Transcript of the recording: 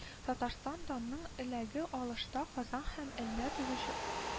Татарстан данның эләге алышта Казан һәм Әлмәт узычу